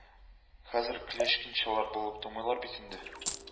Хәзер клячкинчылар булып тумыйлар бит инде